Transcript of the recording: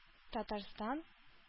Татарстан